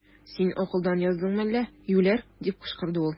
Син акылдан яздыңмы әллә, юләр! - дип кычкырды ул.